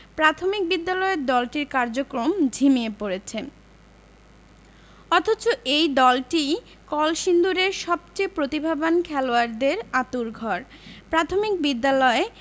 প্রাথমিক বিদ্যালয়ের দলটির কার্যক্রম ঝিমিয়ে পড়েছে অথচ এই দলটিই কলসিন্দুরের সবচেয়ে প্রতিভাবান খেলোয়াড়দের আঁতুড়ঘর প্রাথমিক বিদ্যালয়